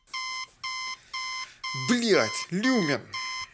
блядь lumen